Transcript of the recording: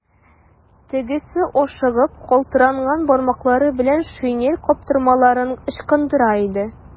Тегесе ашыгып, калтыранган бармаклары белән шинель каптырмаларын ычкындыра иде.